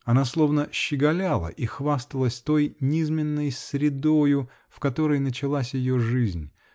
Она словно щеголяла и хвасталась той низменной средою, в которой началась ее жизнь